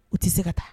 U tɛ se ka taa